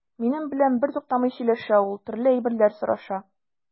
Минем белән бертуктамый сөйләшә ул, төрле әйберләр сораша.